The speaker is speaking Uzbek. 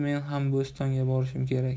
men ham bo'stonga borishim kerak